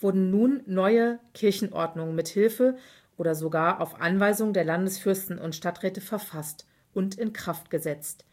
wurden nun neue Kirchenordnungen mithilfe oder sogar auf Anweisung der Landesfürsten und Stadträte verfasst und in Kraft gesetzt